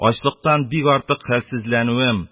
Ачлыктан бик артык хәлсезләнүем,